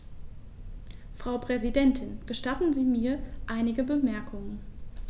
Frau Präsidentin, gestatten Sie mir einige Bemerkungen.